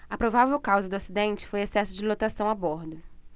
a provável causa do acidente foi excesso de lotação a bordo